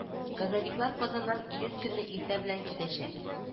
Газовиклар казаннан июнь көнне иртә белән китәчәк